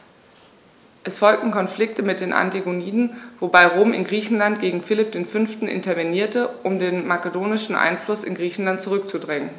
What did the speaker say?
Es folgten Konflikte mit den Antigoniden, wobei Rom in Griechenland gegen Philipp V. intervenierte, um den makedonischen Einfluss in Griechenland zurückzudrängen.